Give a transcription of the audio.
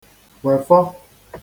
-wèfọ